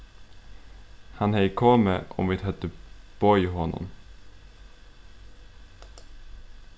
hann hevði komið um vit høvdu boðið honum